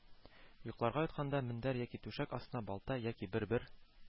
Йокларга ятканда мендәр яки түшәк астына балта яки бер-бер